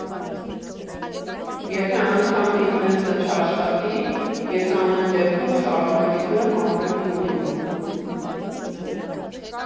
Եթե անգամ բիզնեսը չաշխատի, ես ամեն դեպքում շարունակելու եմ ապրել Գյումրիում։